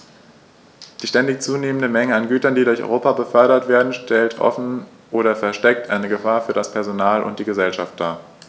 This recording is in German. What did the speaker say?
Die ständig zunehmende Menge an Gütern, die durch Europa befördert werden, stellt offen oder versteckt eine Gefahr für das Personal und die Gesellschaft dar.